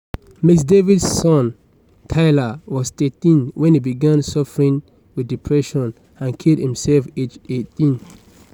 Ms Davis' son Tyler was 13 when he began suffering with depression and killed himself aged 18.